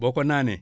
boo ko naanee